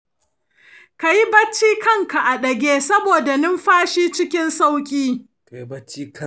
kayi bacci da kan ka a ɗage saboda numfashi cikin sauƙi.